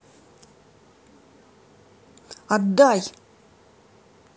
отдай